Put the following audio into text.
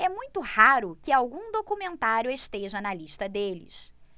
é muito raro que algum documentário esteja na lista deles